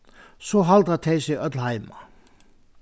so halda tey seg øll heima